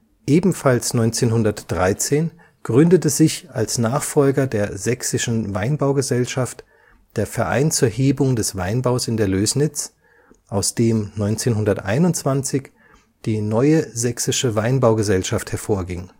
Ebenfalls 1913 gründete sich als Nachfolger der Sächsischen Weinbaugesellschaft der Verein zur Hebung des Weinbaus in der Lößnitz, aus dem 1921 die neue Sächsische Weinbaugesellschaft hervorging